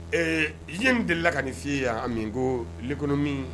Ee delila ka nin' ye yan ko kkɔnɔmi